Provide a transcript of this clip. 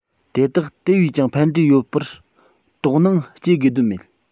དེ དག དེ བས ཀྱང ཕན འབྲས ཡོད པར དོགས སྣང སྐྱེ དགོས དོན མེད